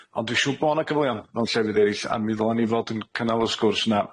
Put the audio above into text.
ond dwi'n siŵr bo' 'na cyfleon mewn llefydd erill, a mi ddylan ni fod yn cynnal y sgwrs yna.